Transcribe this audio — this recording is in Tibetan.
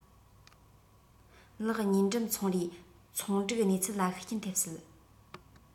ལག ཉིས འགྲིམ ཚོང རའི ཚོང འགྲིག གནས ཚུལ ལ ཤུགས རྐྱེན ཐེབས སྲིད